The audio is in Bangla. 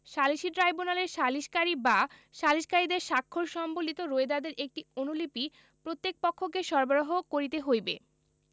সালিসী ট্রাইব্যুনালের সালিসকারী বা সালিসকারীদের স্বাক্ষর সম্বলিত রোয়েদাদের একটি অনুলিপি প্রত্যেক পক্ষকে সরবরাহ করিতে হইবে